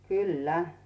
kyllä